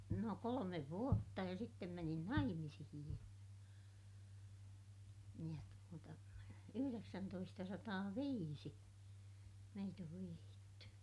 no kolme vuotta ja sitten menin naimisiin ja ja tuota yhdeksäntoistasataaviisi meitä on vihitty